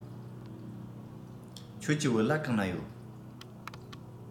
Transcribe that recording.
ཁྱོད ཀྱི བོད ལྭ གང ན ཡོད